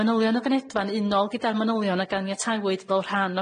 manylion y fanedfa'n unol gyda'r manylion a ganiatawyd fel rhan